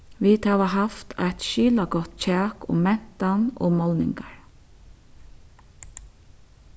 vit hava havt eitt skilagott kjak um mentan og málningar